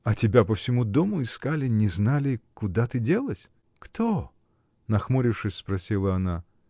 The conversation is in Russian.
— А тебя по всему дому искали, не знали, куда ты делась! — Кто? — нахмурившись, спросила она.